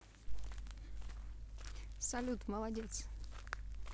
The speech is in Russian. салют молодец